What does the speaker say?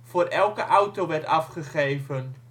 voor elke auto werd afgegeven